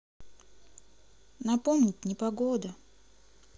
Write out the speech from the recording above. напомнить непогода